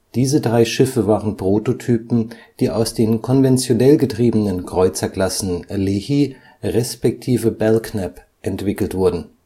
Diese drei Schiffe waren Prototypen, die aus den konventionell getriebenen Kreuzerklassen Leahy respektive Belknap entwickelt wurden